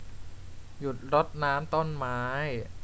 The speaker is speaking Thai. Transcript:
หยุดรดน้ำต้นไม้